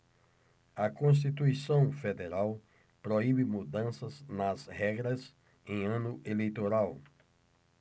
a constituição federal proíbe mudanças nas regras em ano eleitoral